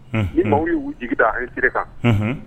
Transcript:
Ma ye jigida an sira kan